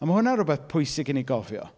A ma' hwnna'n rywbeth pwysig i ni gofio.